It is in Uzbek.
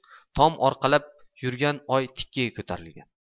tom orqalab yurgan oy tikkaga ko'tarilgan